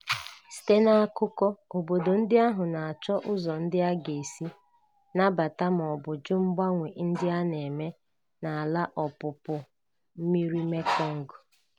Site n'akụkọ, obodo ndị ahụ na-achọ ụzọ ndị a ga-esi nabata ma/ma ọ bụ jụ mgbanwe ndị a na-eme n'ala ọpụpụ mmiri Mekong.